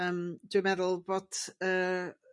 Yym dwi meddwl bot yr